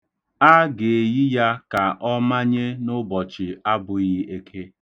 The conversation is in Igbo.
A ga-eyi ya ka ọ manye n'ụbọchị abụghị Eke.